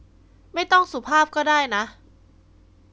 ไม่ต้องสุภาพก็ได้นะ